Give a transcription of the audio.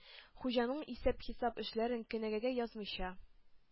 Хуҗаның исәп-хисап эшләрен кенәгәгә язмыйча,